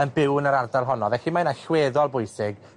yn byw yn yr ardal honno. Felly mae'n allweddol bwysig